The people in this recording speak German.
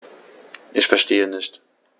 Ich verstehe nicht.